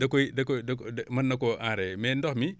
da koy da koy da da mën na koo enrayer mais ndox mi